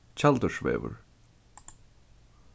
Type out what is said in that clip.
tjaldursvegur